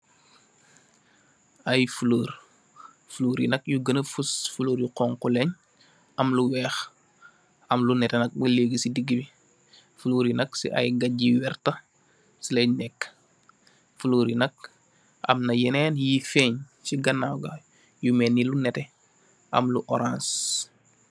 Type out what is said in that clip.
Ay flor, flor yi nak yu guna fus ci num flor yu honku leen, am lu weeh, am lu nètè nak balègi ci digi bi. Flor yi nak ci ay gagi yu vert ci leen nekk. flor yi nak amna yenen yi fèn ganaaw ganaaw yu mèlni lu nètè, am lu orance.